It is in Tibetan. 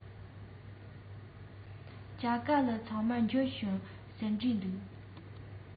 ཇ ག ལི ཚང མ འབྱོར བྱུང ཟེར བྲིས འདུག